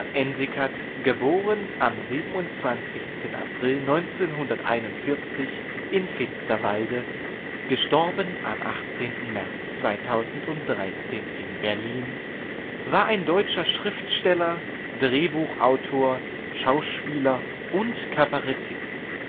Ensikat (* 27. April 1941 in Finsterwalde; † 18. März 2013 inBerlin) war ein deutscher Schriftsteller, Drehbuchautor, Schauspieler und Kabarettist